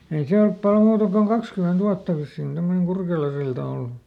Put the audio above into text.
ei se ole paljon muuta kuin kaksikymmentä vuotta vissiin semmoinen Kurkelansilta ollut